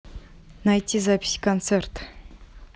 найти запись концерта